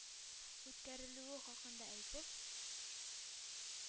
Үткәрелүе хакында әйтеп,